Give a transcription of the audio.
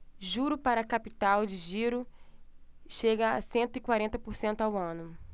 juro para capital de giro chega a cento e quarenta por cento ao ano